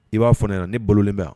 I b'a fɔ ne ɲɛna ne bololen bɛ yan